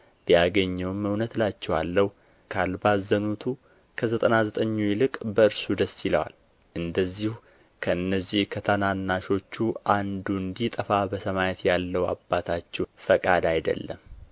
ቢያገኘውም እውነት እላችኋለሁ ካልባዘኑቱ ከዘጠና ዘጠኙ ይልቅ በእርሱ ደስ ይለዋል እንደዚሁ ከእነዚህ ከታናናሾቹ አንዱ እንዲጠፋ በሰማያት ያለው አባታችሁ ፈቃድ አይደለም